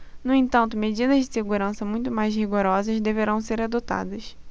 no entanto medidas de segurança muito mais rigorosas deverão ser adotadas